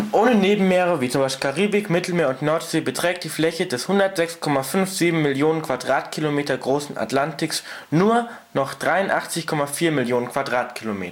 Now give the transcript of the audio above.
Ohne Nebenmeere, wie zum Beispiel Karibik, Mittelmeer und Nordsee beträgt die Fläche des 106,57 Mio. km² großen Atlantiks " nur " noch 83,4 Mio. km²